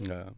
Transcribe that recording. waaw